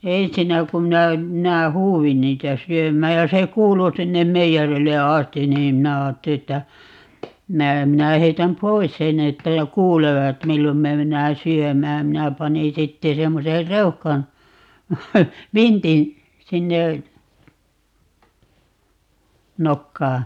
ensinnä kun minä minä huusin niitä syömään ja se kuului sinne meijerille asti niin minä ajattelin että minä minä heitän pois sen että jo kuulevat milloin me mennään syömään minä panin sitten semmoisen reuhkan vintin sinne nokkaan